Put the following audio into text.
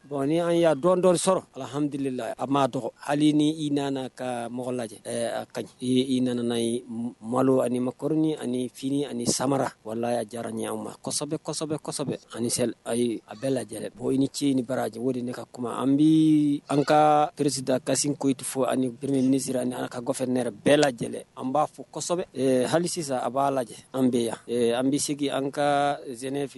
Bon ni an y'a dɔn dɔ sɔrɔ alihammidulilila a m'a dɔn hali ni i nana ka mɔgɔ lajɛ ka i nana ye malo ani makin ani fini ani samara walala y'a diyara ni' ma kosɛbɛ kosɛbɛ ani a bɛɛ lajɛ lajɛlen bon ni ce ni barajɛ de de ka kuma an bɛ an ka kiirisidakasi koti fɔ ani g sera ni ala kakɔ kɔfɛ ne bɛɛ lajɛ lajɛlen an b'a fɔ kosɛbɛ hali sisan a b'a lajɛ an bɛ yan an bɛ segin an ka ze fɛ